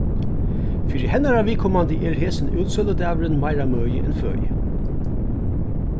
fyri hennara viðkomandi er hesin útsøludagurin meira møði enn føði